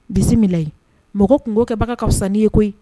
Bisimilayi, mɔgɔ kunko ka fisa n'i ye koyi